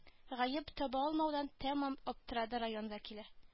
Гаеп таба алмаудан тәмам аптырады район вәкиле